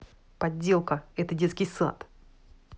подделка это детский сад